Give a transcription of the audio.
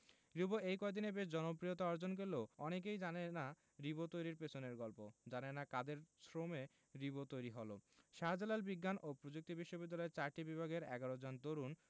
রিবো এই কয়দিনে বেশ জনপ্রিয়তা অর্জন করলেও অনেকেই জানেন না রিবো তৈরির পেছনের গল্প জানেন না কাদের শ্রমে রিবো তৈরি হলো শাহজালাল বিজ্ঞান ও প্রযুক্তি বিশ্ববিদ্যালয়ের চারটি বিভাগের ১১ জন তরুণ